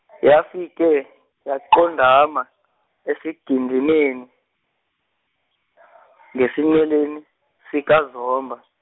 yafike, yaqondama, esiginindeni, ngesinceleni sikaZomba.